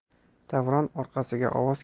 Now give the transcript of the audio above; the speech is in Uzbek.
davron orqasiga ovoz